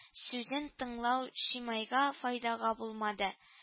Сүзен тыңлау шимайга файдага булмады